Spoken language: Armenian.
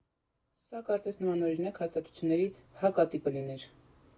Սա կարծես նմանօրինակ հաստատությունների հակատիպը լիներ։